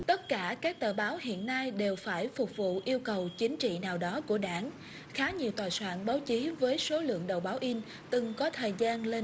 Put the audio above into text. tất cả các tờ báo hiện nay đều phải phục vụ yêu cầu chính trị nào đó của đảng khá nhiều tòa soạn báo chí với số lượng đầu báo in từng có thời gian lên